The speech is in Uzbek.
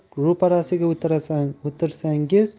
televizor ro'parasiga o'tirsangiz